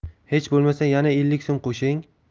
hech bo'lmasa yana ellik so'm qo'shing